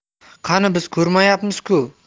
qani biz ko'rmayapmiz ku